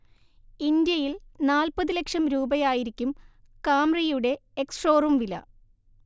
ഇന്ത്യയിൽ നാൽപതു ലക്ഷം രൂപയായിരിക്കും കാംറിയുടെ എക്സ്ഷോറും വില